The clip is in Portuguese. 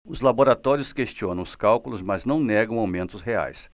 os laboratórios questionam os cálculos mas não negam aumentos reais